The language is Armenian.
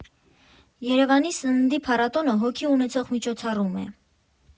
Երևանի սննդի փառատոնը հոգի ունեցող միջոցառում է։